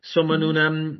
So ma' nw'n yym